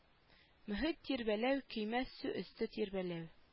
Мохит тирбәләү көймә су өсте тирбәләү